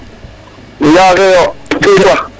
Njase yo supa